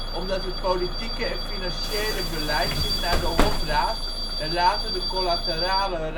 omdat het politieke en financiële beleid zich naar de hofraad en later de Collaterale